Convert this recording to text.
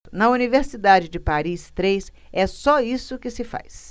na universidade de paris três é só isso que se faz